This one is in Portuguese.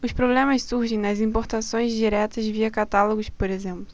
os problemas surgem nas importações diretas via catálogos por exemplo